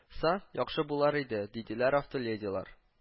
Са, яхшы булар иде”,– диделәр автоледилар